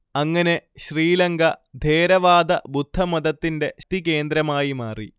അങ്ങനെ ശ്രീലങ്ക ഥേരവാദ ബുദ്ധമതത്തിന്റെ ശക്തികേന്ദ്രമായി മാറി